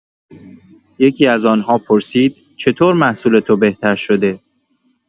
یکی‌از آن‌ها پرسید: «چطور محصول تو بهتر شده؟»